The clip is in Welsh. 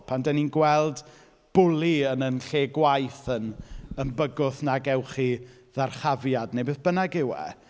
Pan 'da ni'n gweld bwli yn ein lle gwaith yn yn bygwth na gewch chi, ddyrchafiad, neu beth bynnag yw e.